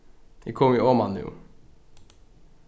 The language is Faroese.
eg komi oman nú